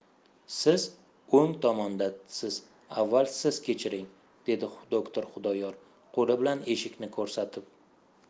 siz o'ng tomondasiz avval siz keching dedi doktor xudoyor qo'li bilan eshikni ko'rsatib